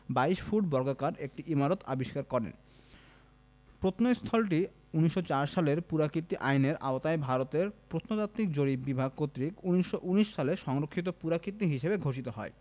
২২ foot বর্গাকার একটি ইমারত আবিষ্কার করেন প্রত্নস্থলটি ১৯০৪ সালের পুরাকীর্তি আইনের আওতায় ভারতের প্রত্নতাত্ত্বিক জরিপ বিভাগ কর্তৃক ১৯১৯ সালে সংরক্ষিত পুরাকীর্তি হিসেবে ঘোষিত হয়